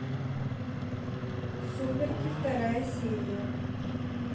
сумерки вторая серия